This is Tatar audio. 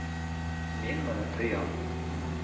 Мин моны тоям.